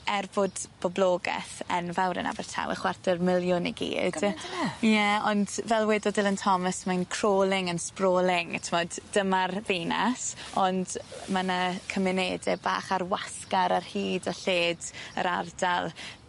Er bod boblogeth enfawr yn Abertawe chwarter miliwn i gyd. Gyment â 'ny? Ie. Ond fel wedodd Dylan Thomas mae'n crawling and sprawling t'mod dyma'r ddinas ond ma' 'ny cymunede bach ar wasgar ar hyd a lled yr ardal.